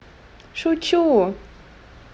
шучу